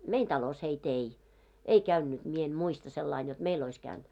meidän talossa heitä ei ei käynyt minä en muista sillä lailla jotta meillä olisi käynyt